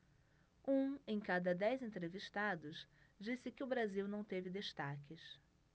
um em cada dez entrevistados disse que o brasil não teve destaques